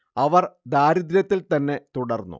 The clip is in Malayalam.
അവർ ദാരിദ്ര്യത്തിൽ തന്നെ തുടർന്നു